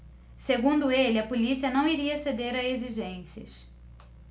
segundo ele a polícia não iria ceder a exigências